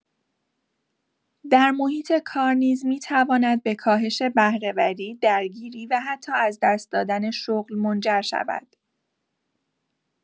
در محیط کار نیز می‌تواند به کاهش بهره‌وری، درگیری و حتی از دست دادن شغل منجر شود.